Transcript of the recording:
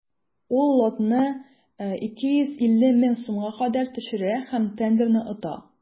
Ул лотны 250 мең сумга кадәр төшерә һәм тендерны ота.